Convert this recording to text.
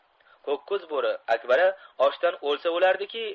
ko'kko'z bo'ri akbara ochdan o'lsa o'lardiki